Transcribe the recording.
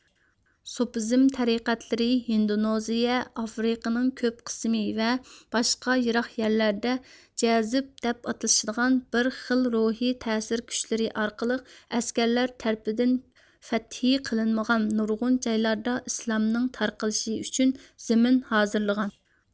سوپىزم تەرىقەتلىرى ھىندونېزىيە ئافرىقىنىڭ كۆپ قىسمى ۋە باشقا يىراق يەرلەردە جەزب دەپ ئاتىشىدىغان بىر خىل روھىي تەسىر كۈچلىرى ئارقىلىق ئەسكەرلەر تەرىپىدىن فەتھى قىلىنمىغان نۇرغۇن جايلاردا ئىسلامنىڭ تارقىلىشى ئۈچۈن زېمىن ھازىرلىغان